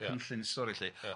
cynllun stori 'lly... Ia...